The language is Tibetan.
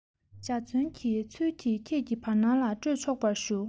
འཇའ ཚོན གྱི ཚུལ གྱིས ཁྱེད ཀྱི བར སྣང ལ སྤྲོས ཆོག པར ཞུ